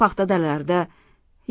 paxta dalalarida